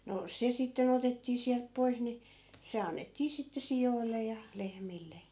no se sitten otettiin sieltä pois niin se annettiin sitten sioille ja lehmille